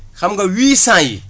xam nga huit cent yi